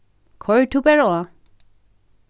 koyr tú bara á